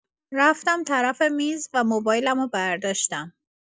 رفتم طرف میز و موبایلمو برداشتم.